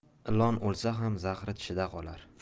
ilon o'lsa ham zahri tishida qolar